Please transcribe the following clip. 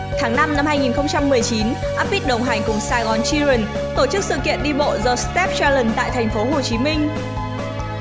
tháng up beat đồng hành cùng saigonchildren tổ chức sự kiện đi bộ the steps challenge tại thành phố hồ chí minh